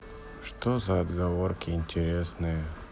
что за отговорки интересные